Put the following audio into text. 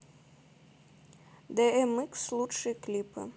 дэ эм икс лучшие клипы